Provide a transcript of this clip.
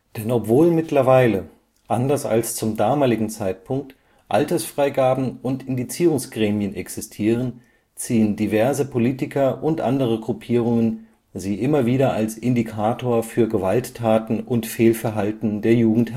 Denn trotzdem, anders als zum damaligen Zeitpunkt, mittlerweile Altersfreigaben und Indizierungsgremien existieren, ziehen diverse Politiker und andere Gruppierungen sie immer wieder als Indikator für Gewalttaten und Fehlverhalten der Jugend